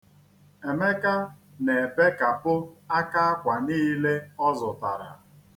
Emeka na-ebekapụ aka akwa niile ọ zụtara.